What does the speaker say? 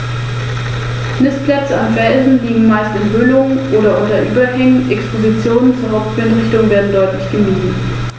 Häufig jagen sie auch von einem Ansitz aus.